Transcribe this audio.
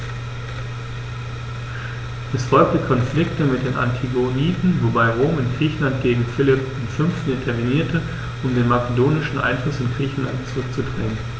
Es folgten Konflikte mit den Antigoniden, wobei Rom in Griechenland gegen Philipp V. intervenierte, um den makedonischen Einfluss in Griechenland zurückzudrängen.